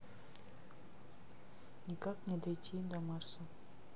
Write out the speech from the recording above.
никак не дойти до марса